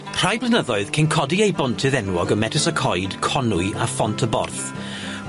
Rhai blynyddoedd cyn codi ei bontydd enwog ym Metws y Coed, Conwy a phont y Borth